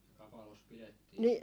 kapalossa pidettiin